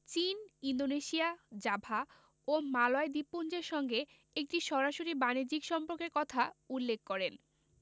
চীন Indonesia Java ও মালয় দ্বীপপুঞ্জের সঙ্গে একটি সরাসরি বাণিজ্যিক সম্পর্কের কথা উল্লেখ করেন